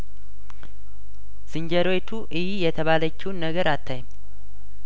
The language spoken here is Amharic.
ዝንጀሮ ዪቱ እዪ የተባለችውን ነገር አታይም